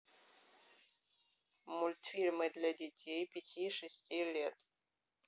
мультфильмы для детей пяти шести лет